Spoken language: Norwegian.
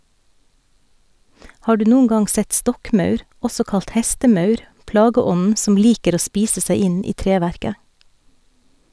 Har du noen gang sett stokkmaur, også kalt hestemaur, plageånden som liker å spise seg inn i treverket?